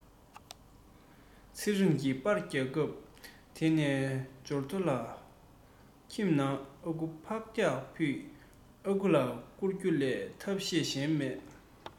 ཚེ རིང གི པར བརྒྱབ སྐབས དེ ནས འབྱོར ཐོ ལ སོགས ཁྱིམ ནང ཨ ཁུ ཕག སྐྱག ཕུད ཨ ཁུ ལ བསྐུར རྒྱུ ལས ཐབས ཤེས གཞན མེད